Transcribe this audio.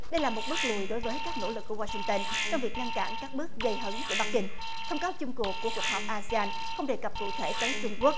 đây là một bước lùi đối với các nỗ lực của goa xinh tơn trong việc ngăn cản các bước gây hấn của bắc kinh thông cáo chung cuộc của cuộc họp a se an không đề cập cụ thể tới trung quốc